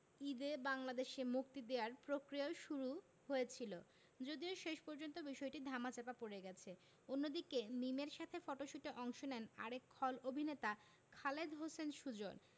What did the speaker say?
ঈদে বাংলাদেশে মুক্তি দেয়ার প্রক্রিয়াও শুরু হয়েছিল যদিও শেষ পর্যন্ত বিষয়টি ধামাচাপা পড়ে গেছে অন্যদিকে মিমের সাথে ফটশুটে অংশ নেন আরেক খল অভিনেতা খালেদ হোসেন সুজন